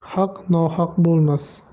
haq nohaq bo'lmas